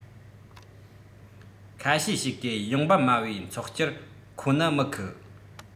ཁ ཤས ཤིག གིས ཡོང འབབ དམའ བའི ཚོགས སྤྱིར ཁོ ནི མི ཁུགས